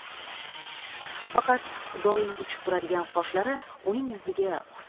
faqat doim uchib turadigan qoshlari uning yuziga husn